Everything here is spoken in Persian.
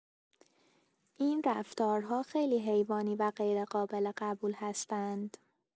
این رفتارها خیلی حیوانی و غیرقابل قبول هستند.